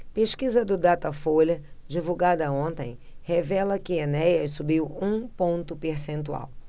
pesquisa do datafolha divulgada ontem revela que enéas subiu um ponto percentual